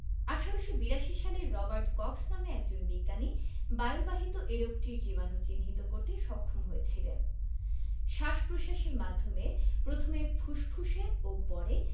১৮৮২ সালে Robert Cox নামে একজন বিজ্ঞানী বায়ুবাহিত এ রোগটির জীবাণু চিহ্নিত করতে সক্ষম হয়েছিলেন শ্বাস প্রশ্বাসের মাধ্যমে প্রথমে ফুসফুসে ও পরে